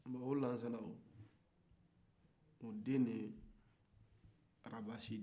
o lansana wo o den de ye arabasi ye